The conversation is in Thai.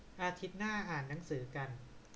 อาทิตย์หน้าอ่านหนังสือกัน